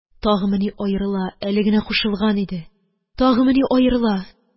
Тагымыни аерыла, әле генә кушылган иде. Тагымыни аерыла?